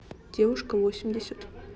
девушка восемьдесят